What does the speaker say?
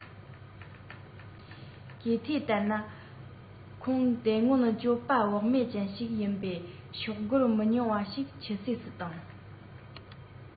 གོ ཐོས ལྟར ན ཁོང དེ སྔོན སྤྱོད པ བག མེད ཅན ཞིག ཡིན པས ཤོག སྒོར མི ཉུང བ ཞིག ཆུད ཟོས སུ བཏང